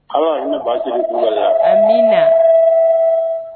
Ala ne ba jigin yan amiina